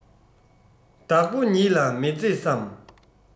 བདག པོ ཉིད ལ མི མཛེས སམ